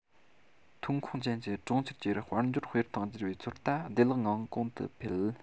ཐོན ཁུངས ཅན གྱི གྲོང ཁྱེར གྱི དཔལ འབྱོར སྤེལ སྟངས བསྒྱུར བའི ཚོད ལྟ བདེ བླག ངང གོང དུ འཕེལ